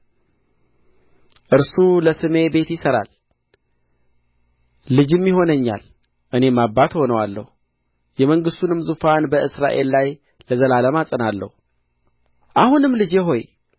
እርሱ ለስሜ ቤት ይሠራል ልጅም ይሆነኛል እኔም አባት እሆነዋለሁ የመንግሥቱንም ዙፋን በእስራኤል ላይ ለዘላለም አጸናለሁ አሁንም ልጄ ሆይ